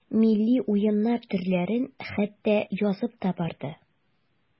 Милли уеннар төрләрен хәтта язып та барды.